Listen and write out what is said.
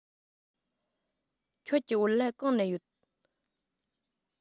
ཁྱོད ཀྱི བོད ལྭ གང ན ཡོད